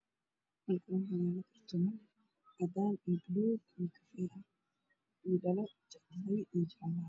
Halkaan waxaa yaalo kartooban cadaan iyo baluug iyo kafay ah iyo dhalo qaxwi jaallaa.